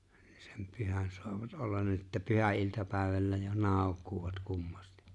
niin sen pyhän saavat olla niin että pyhäiltapäivällä jo naukuvat kummasti